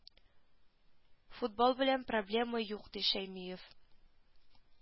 Футбол белән проблема юк ди шәймиев